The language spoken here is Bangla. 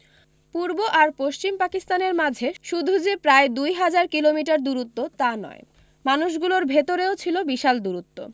পূর্ব আর পশ্চিম পাকিস্তানের মাঝে শুধু যে প্রায় দুই হাজার কিলোমিটার দূরত্ব তা নয় মানুষগুলোর ভেতরেও ছিল বিশাল দূরত্ব